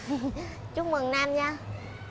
hề hề chúc mừng nam nha